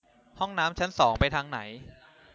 ห้องน้ำชั้นสองไปทางไหน